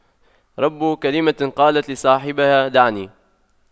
رب كلمة قالت لصاحبها دعني